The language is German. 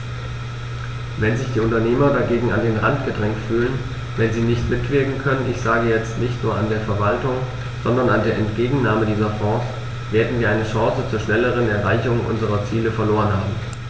Wenn sich die Unternehmer dagegen an den Rand gedrängt fühlen, wenn sie nicht mitwirken können ich sage jetzt, nicht nur an der Verwaltung, sondern an der Entgegennahme dieser Fonds , werden wir eine Chance zur schnelleren Erreichung unserer Ziele verloren haben.